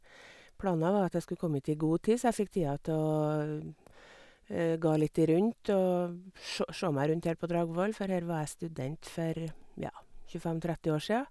Planen var at jeg skulle komme hit i god tid, så jeg fikk tida til å gå litt i rundt og v sj sjå meg rundt her på Dragvoll, for her var jeg student for, ja, tjuefem tretti år sia.